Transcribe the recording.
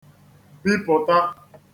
bipụ̀ta